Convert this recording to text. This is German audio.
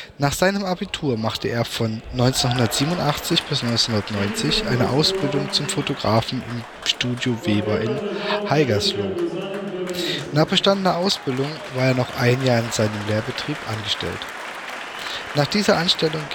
Nach seinem Abitur macht er von 1987 bis 1990 eine Ausbildung zum Fotografen im Fotostudio Weber in Haigerloch. Nach bestandener Ausbildung war er noch ein Jahr in seinem Lehrbetrieb angestellt. Nach dieser Anstellung